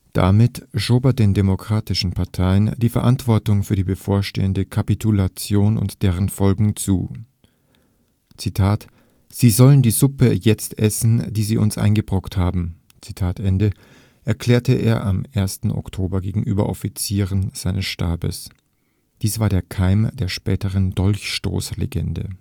Damit schob er den demokratischen Parteien die Verantwortung für die bevorstehende Kapitulation und deren Folgen zu: Sie sollen die Suppe jetzt essen, die sie uns eingebrockt haben, erklärte er am 1. Oktober gegenüber Offizieren seines Stabes. Dies war der Keim der späteren Dolchstoßlegende